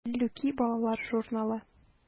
“әллүки” балалар журналы.